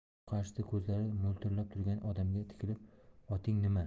u qarshisida ko'zlari mo'ltirab turgan odamga tikilib oting nimai